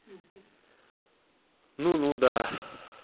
ну ну да